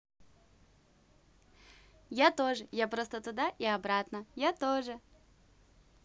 я тоже я просто туда и обратно я тоже